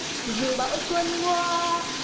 dù bao xuân qua